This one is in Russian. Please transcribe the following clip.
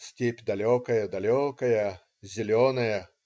Степь далекая, далекая, зеленая.